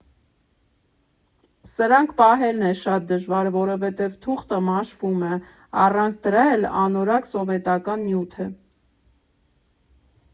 Սրանք պահելն է շատ դժվար, որովհետև թուղթը մաշվում է, առանց դրա էլ անորակ սովետական նյութ է։